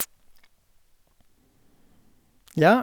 Ja.